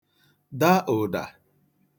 da ụ̀dà